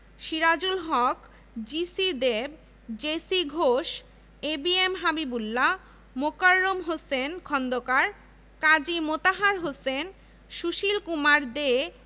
এবং মহান মুক্তিযুদ্ধে জীবন দিয়েছেন এ বিশ্ববিদ্যালয়ের অনেক ছাত্র শিক্ষক ও কর্মকর্তা কর্মচারী